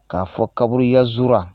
K'a fɔ kaburuyazora